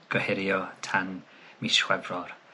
gohirio tan mis Chwefror.